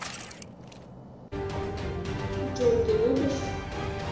джой ты любишь